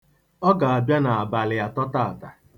Ọ ga-abịa abalị atọ taata.